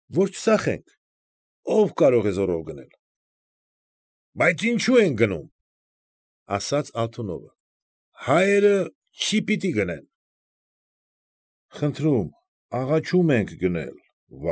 Որ չծախենք, ո՞վ կարող է զոռով գնել։ ֊ Բայց ինչո՞ւ են գնում,֊ ասաց Ալթունովը,֊ հայերը չպիտի գնեն։ ֊ Խնդրում, աղաչում ենք գնել,